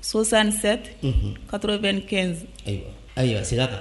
Sosan nisɛte kato bɛ ni kɛ ayiwa